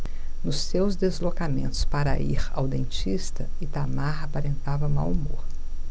nos seus deslocamentos para ir ao dentista itamar aparentava mau humor